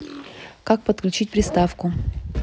как подключить приставку